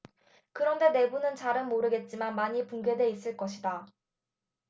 그런데 내부는 잘은 모르겠지만 많이 붕괴돼 있을 것이다